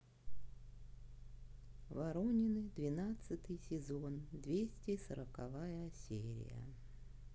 воронины двенадцатый сезон двести сороковая серия